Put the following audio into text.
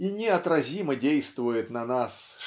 И неотразимо действует на нас